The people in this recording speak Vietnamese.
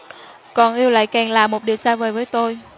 còn yêu lại càng là một điều xa vời với tôi